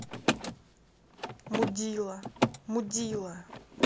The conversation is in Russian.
мудила мудила